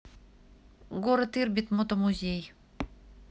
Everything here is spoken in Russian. город ирбит мотомузей